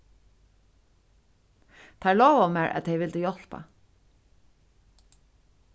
teir lovaðu mær at tey vildu hjálpa